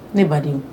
Ne ba de